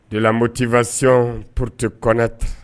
Demutifasi porote kɔnɛ tɛ